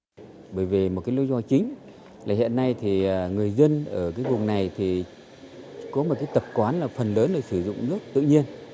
bởi vì một cấy lý do chính là hiện nay thì à người dân ở cấy vùng này thì ờ có một cấy tập quán là phần lớn là sử dụng nước tự nhiên